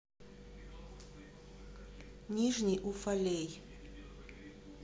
нижний уфалей